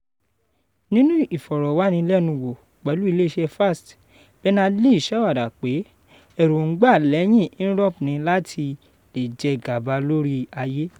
Nínú ìfọ̀rọ̀wánilẹ́nuwò pẹ́lú ilé iṣẹ́ Fast, Berners-Lee ṣàwàdà pé èròńgbà lẹ́yìn Inrupt ni láti le “jẹ gàba lórí ayé.”